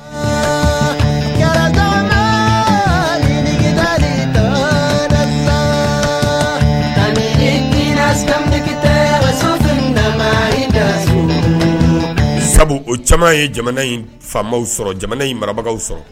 Sabu o caman ye jamana in faama sɔrɔ jamana in marabagaw sɔrɔ